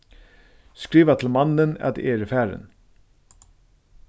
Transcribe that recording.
skriva til mannin at eg eri farin